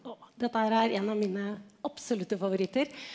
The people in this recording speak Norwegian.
å dette her er en av mine absolutte favoritter.